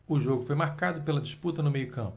o jogo foi marcado pela disputa no meio campo